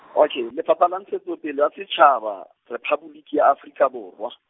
okay Lefapha la Ntshetsopele ya Setjhaba, Rephaboliki ya Afrika Borwa.